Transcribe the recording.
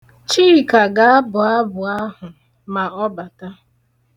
Chika ga-abụ abụ ahụ ma ọ bata.